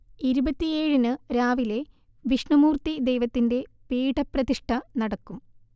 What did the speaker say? ഇരുപത്തിയേഴിന് രാവിലെ വിഷ്ണുമൂർത്തി ദൈവത്തിന്റെ പീഠപ്രതിഷ്ഠ നടക്കും